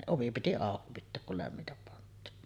ovi piti auki pitää kun lämmintä pantiin